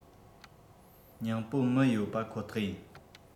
ཉིང པོ མི ཡོད པ ཁོ ཐག ཡིན